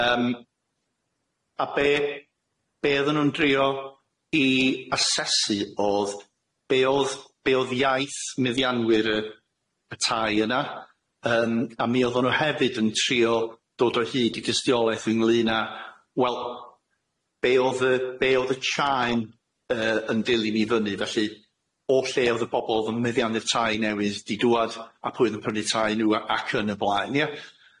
Yym a be' be' oddon nw'n drio i asesu odd be' odd be' odd iaith muddianwyr y y tai yna yym a mi oddon nw hefyd yn trio dod o hyd i dystiolaeth o ynglŷn â wel be' odd y be' odd y tsiaen yy yn dilyn i fyny felly, o lle odd y bobol o'dd yn meddiannu'r tai newydd di dŵad a pwy o'dd yn prynu tai n'w a- ac yn y blaen ia?